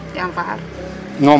Yaam fa xar?